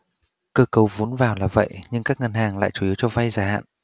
cơ cấu vốn vào là vậy nhưng các ngân hàng lại chủ yếu cho vay dài hạn